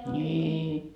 niin